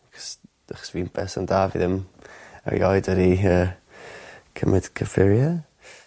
'Chos achos fi'n berson da fi ddim erioed wedi yy cymryd cyffurie.